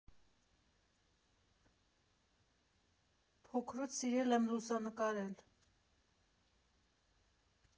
Փոքրուց սիրել եմ լուսանկարել։